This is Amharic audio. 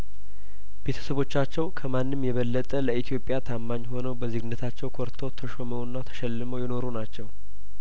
ቤተሰቦቻቸው ከማንም የበለጠ ለኢትዮጵያ ታማኝ ሆነው በዜግነታቸው ኮርተው ተሾመውና ተሸልመው የኖሩ ናቸው